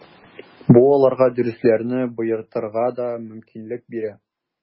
Бу аларга дәресләрне баетырга да мөмкинлек бирә.